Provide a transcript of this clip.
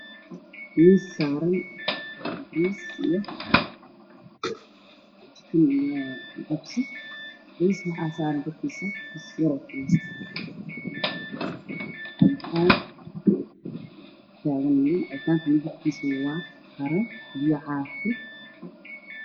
Miis saaran bariis jikin io jibsi miiska korkiisa waxaa saaran kis yaroo bariis ah cabitaan cabitaanka noociisa waa qare io biyo caafi